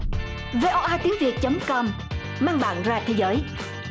vê o a tiếng việt chấm com mang bạn ra thế giới